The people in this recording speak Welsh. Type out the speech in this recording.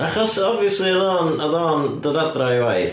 Achos obviously odd o'n odd o'n dod adra o'i waith.